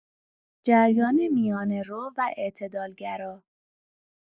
جریان میانه‌رو و اعتدالگرا